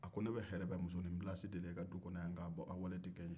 a ko ne bɛ yɛrɛbɛ musonin pilasi de la i ka du kɔnɔ yan nka a wale tɛ kɛ n ye